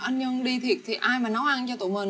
anh nhân đi thiệt thì ai mà nấu ăn cho tụi mình